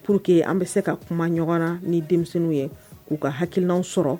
Pur que an bɛ se ka kuma ɲɔgɔn na ni denmisɛnninw ye k'u ka hakiliki sɔrɔ